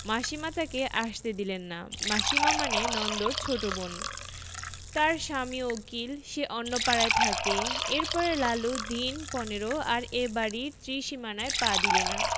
মাসীমা তাকে আসতে দিলেন না মাসিমা মানে নন্দর ছোট বোন তার স্বামীও উকিল সে অন্য পাড়ায় থাকেএর পরে লালু দিন পনেরো আর এ বাড়ির ত্রিসীমানায় পা দিলে না